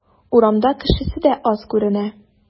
Урамда кешесе дә аз күренә.